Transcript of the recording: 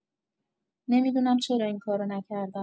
نمی‌دونم چرا این کار رو نکردم.